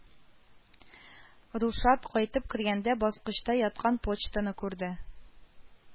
Рушад кайтып кергәндә баскычта яткан почтаны күрде